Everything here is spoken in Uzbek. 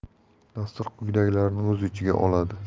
dastur quyidagilarni o'z ichiga oladi